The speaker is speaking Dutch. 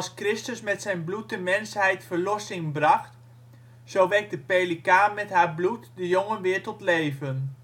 Christus met zijn bloed de mensheid verlossing bracht, zo wekt de pelikaan met haar bloed de jongen weer tot leven